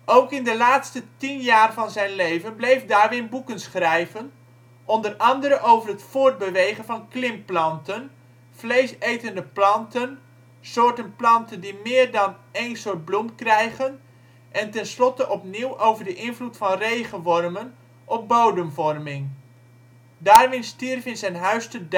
Ook in de laatste tien jaar van zijn leven bleef Darwin boeken schrijven, onder andere over het voortbewegen van klimplanten, vleesetende planten, soorten planten die meer dan een soort bloem krijgen en tenslotte opnieuw over de invloed van regenwormen op bodemvorming. Darwin stierf in zijn huis te